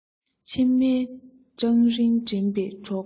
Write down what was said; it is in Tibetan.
ཕྱི མའི འཕྲང རིང འགྲིམ པའི གྲོགས ལ